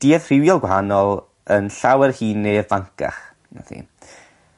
duedd rhywiol gwahanol yn llawer hŷn ne' ifancach na thi.